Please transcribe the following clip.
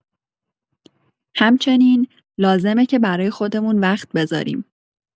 همچنین، لازمه که برای خودمون وقت بذاریم.